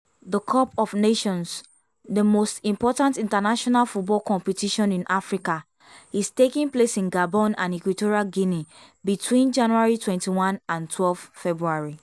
The Cup of Nations, the most important international football competition in Africa, is taking place in Gabon and Equatorial Guinea between January 21 and 12 February.